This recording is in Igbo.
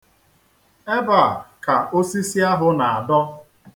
Ebe a ka osisi ahụ na-adọ.